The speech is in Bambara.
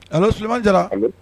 Allo Sulemani Jara Allo